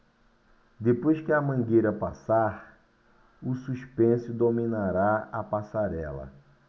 depois que a mangueira passar o suspense dominará a passarela